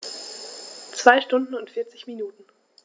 2 Stunden und 40 Minuten